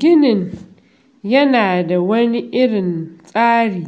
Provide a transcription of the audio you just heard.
Ginin yana da wani irin tsari